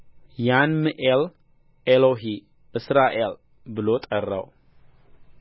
ያንም ኤል ኤሎሄ እስራኤል ብሎ ጠራው